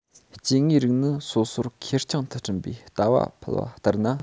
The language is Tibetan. སྐྱེ དངོས རིགས ནི སོ སོར ཁེར རྐྱང དུ བསྐྲུན པའི ལྟ བ ཕལ བ ལྟར ན